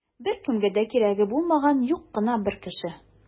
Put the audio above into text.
Беркемгә дә кирәге булмаган юк кына бер кеше.